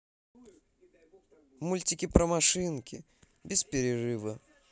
мультики про машинки без перерыва